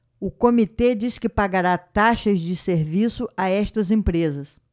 o comitê diz que pagará taxas de serviço a estas empresas